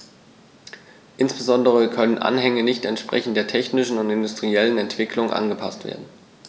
Insbesondere können Anhänge nicht entsprechend der technischen und industriellen Entwicklung angepaßt werden.